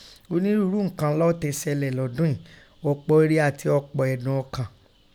Ọnírúurú unǹkan lọ̀ tẹ sẹlẹ lọdun ìin, ọ̀pọ̀ ire àti ọ̀pọ̀ ẹ̀dùn ọkàn.